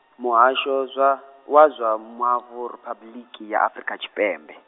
Muhasho zwa, wa zwa Mavu Riphabuḽiki ya Afrika Tshipembe.